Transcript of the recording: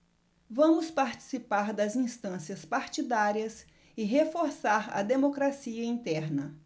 vamos participar das instâncias partidárias e reforçar a democracia interna